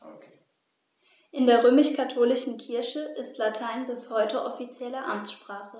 In der römisch-katholischen Kirche ist Latein bis heute offizielle Amtssprache.